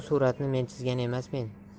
suratni men chizgan emasmen